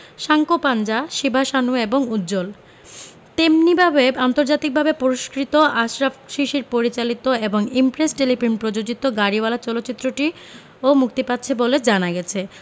সাঙ্কোপাঞ্জা শিবা সানু এবং উজ্জ্বল তেমনিভাবে আন্তর্জাতিকভাবে পুরস্কৃত আশরাফ শিশির পরিচালিত এবং ইমপ্রেস টেলিফিল্ম প্রযোজিত গাড়িওয়ালা চলচ্চিত্রটিও মুক্তি পাচ্ছে বলে জানা গেছে